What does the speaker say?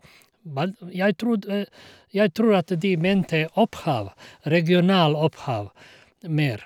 bald jeg trod Jeg tror at de mente opphav, regional opphav, mer.